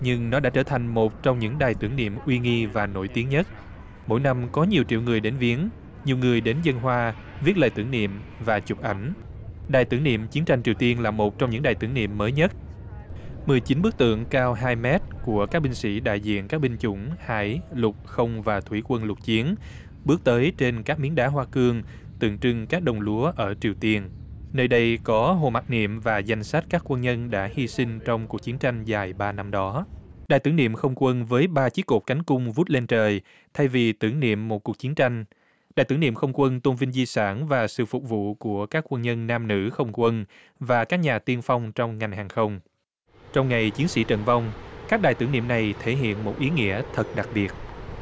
nhưng nó đã trở thành một trong những đài tưởng niệm uy nghi và nổi tiếng nhất mỗi năm có nhiều triệu người đến viếng nhiều người đến dâng hoa viết lời tưởng niệm và chụp ảnh đài tưởng niệm chiến tranh triều tiên là một trong những đài tưởng niệm mới nhất mười chín bức tượng cao hai mét của các binh sĩ đại diện các binh chủng hải lục không và thủy quân lục chiến bước tới trên các miếng đá hoa cương tượng trưng các đồng lúa ở triều tiên nơi đây có hồ mặc niệm và danh sách các quân nhân đã hy sinh trong cuộc chiến tranh dài ba năm đó đài tưởng niệm không quân với ba chiếc cột cánh cung vút lên trời thay vì tưởng niệm một cuộc chiến tranh đài tưởng niệm không quân tôn vinh di sản và sự phục vụ của các quân nhân nam nữ không quân và các nhà tiên phong trong ngành hàng không trong ngày chiến sĩ trận vong các đài tưởng niệm này thể hiện một ý nghĩa thật đặc biệt